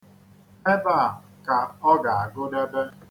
Ebe a ka ọ ga-agụdebe.